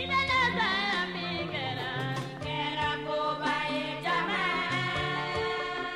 Miniyan sa la min kɛ , o kɛra ko ɲumanba ye, jamaa!